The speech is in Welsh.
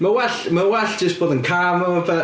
Mae'n well... mae'n well jyst bod yn calm am y pe-...